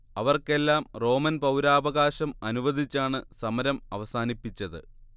അവർക്കെല്ലാം റോമൻ പൗരാവകാശം അനുവദിച്ചാണ് സമരം അവസാനിപ്പിച്ചത്